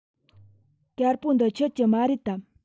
དཀར པོ འདི ཁྱོད ཀྱི མ རེད དམ